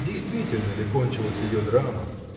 Действительно ли кончилась ее драма?